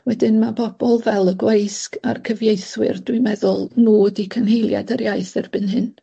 wedyn ma' bobol fel y gweisg a'r cyfieithwyr, dwi'n meddwl nw ydi cynheiliad yr iaith erbyn hyn.